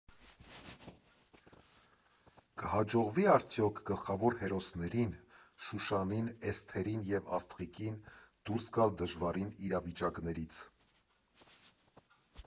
Կհաջողվի՞ արդյոք գլխավոր հերոսներին՝ Շուշանին, Էսթերին և Աստղիկին դուրս գալ դժվարին իրավիճակներից…